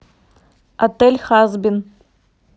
отель хазбин